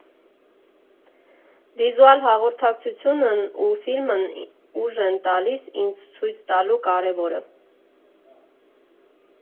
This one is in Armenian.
Վիզուալ հաղորդակցությունն ու ֆիլմն ուժ են տալիս ինձ ցույց տալու կարևոը։